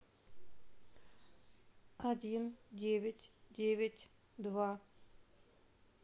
один девять девять два